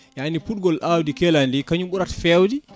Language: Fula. yani pudgol awdi keeladi ndi kañum ɓuurata fewde